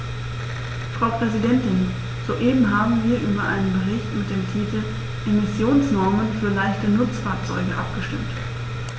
Frau Präsidentin, soeben haben wir über einen Bericht mit dem Titel "Emissionsnormen für leichte Nutzfahrzeuge" abgestimmt.